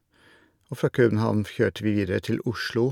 Og fra København kjørte vi videre til Oslo.